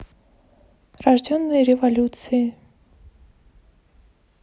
рожденные революцией